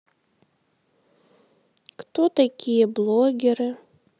кто такие блогеры